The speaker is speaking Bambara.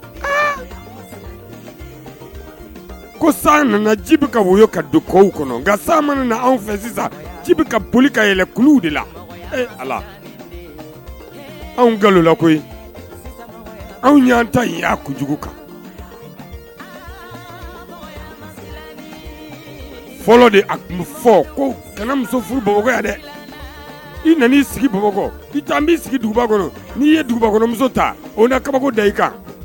Ko nana ji don kɔw kɔnɔ mana fɛ sisan ka boli ka yɛlɛ de la anw kala ko anw y'an tajugu kan fɔlɔ de tun fɔ ko kanamuso furu bamakɔ yan dɛ i nana ii sigi b'i sigiba kɔnɔ n'i ye dugukolomuso ta o kaba da i kan